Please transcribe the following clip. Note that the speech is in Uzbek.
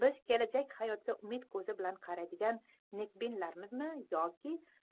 biz kelajak hayotga umid ko'zi bilan qaraydigan nekbinlarmizmi